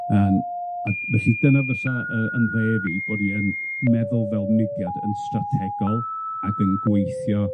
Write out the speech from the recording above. Yym a felly dyna fysa yy 'yn fi, bo' ni yn meddwl fel mudiad yn strategol ag yn gweithio